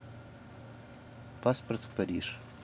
паспорт в париж